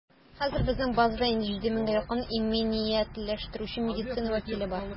Хәзер безнең базада инде 7 меңгә якын иминиятләштерүче медицина вәкиле бар.